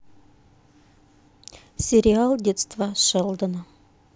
сериал детство шелдона